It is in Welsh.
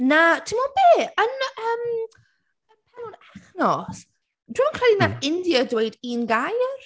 Na, timod be, yn yym dwi'n meddwl echnos, dwi'm yn credu wnaeth India dweud un gair.